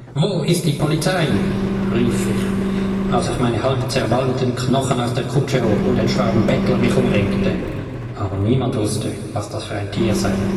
Wo ist die Polizey, rief ich, als ich meine halbzermalmten Knochen aus der Kutsche hob und ein Schwarm Bettler mich umringte. Aber niemand wusste, was das für ein Thier sey